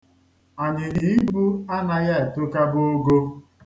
Anyịnyaibu anaghị etokabe ogo.